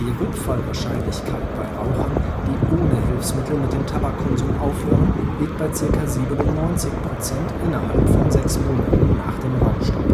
Rückfallwahrscheinlichkeit bei Rauchern, die ohne Hilfsmittel mit dem Tabakkonsum aufhören, liegt bei ca. 97 % innerhalb von sechs Monaten nach dem Rauchstopp